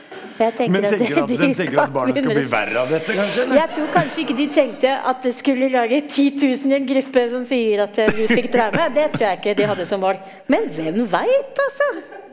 jeg tenker at de , jeg tror kanskje ikke de tenkte at det skulle lage titusen i en gruppe som sier at vi fikk traume, det trur jeg ikke de hadde som mål, men hvem veit altså?